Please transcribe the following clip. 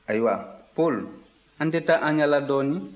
ayiwa paul an tɛ taa an yaala dɔɔnin